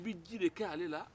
i bɛ ji de kɛ ale la